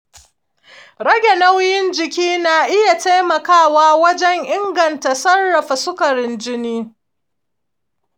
rage nauyin jiki na iya taimakawa wajen inganta sarrafa sukarin jini.